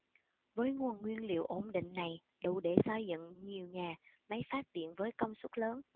với nguồn nguyên liệu ổn định này đủ để xây dựng nhiều nhà máy phát điện với công suất lớn